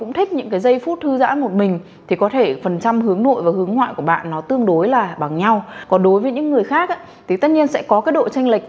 thích những giây phút thư giãn một mình thì có thể phần trăm hướng nội và hướng ngoại của bạn tương đối là bằng nhau còn đối với những người khác thì tất nhiên sẽ có cái độ chênh lệch